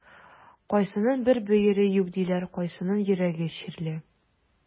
Кайсының бер бөере юк диләр, кайсының йөрәге чирле.